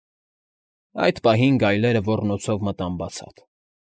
Այդ պահին գայլերը ոռնոցով մտան բացատ։